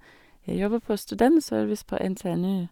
Jeg jobber på Studentservice på NTNU.